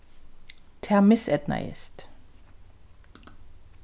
tað miseydnaðist